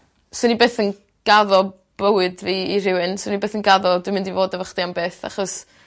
Swn i byth yn gaddo bywyd fi i rywun swn i byth yn gaddo dwi'n mynd i fod efo chdi am byth achos